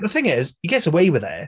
The thing is, he gets away with it.